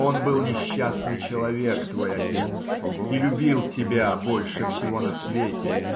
Он был несчастный человек, твой отец, и любил тебя больше всего на свете.